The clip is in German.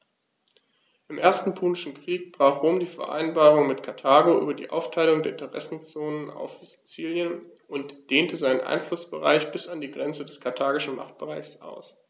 Im Ersten Punischen Krieg brach Rom die Vereinbarung mit Karthago über die Aufteilung der Interessenzonen auf Sizilien und dehnte seinen Einflussbereich bis an die Grenze des karthagischen Machtbereichs aus.